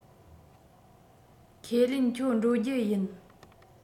ཁས ལེན ཁྱོད འགྲོ རྒྱུ ཡིན